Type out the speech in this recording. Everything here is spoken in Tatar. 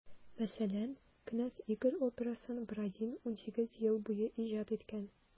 Мәсәлән, «Кенәз Игорь» операсын Бородин 18 ел буе иҗат иткән.